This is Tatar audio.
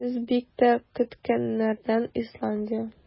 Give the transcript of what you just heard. Без бик тә көткәннәрдән - Исландия.